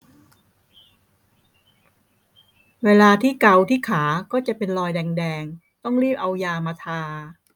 เวลาที่เกาที่ขาก็จะเป็นรอยแดงแดงต้องรีบเอายามาทา